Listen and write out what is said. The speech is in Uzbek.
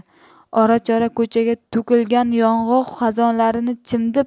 ora chora ko'chaga to'kilgan yong'oq xazonlarini chimdib